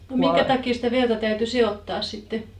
no minkä takia sitä verta täytyi sekoittaa sitten